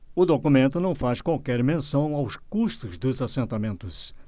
o documento não faz qualquer menção aos custos dos assentamentos